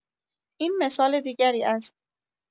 این مثال دیگری است.